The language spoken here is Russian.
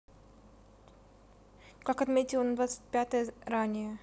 как отметила на двадцать пятое ранее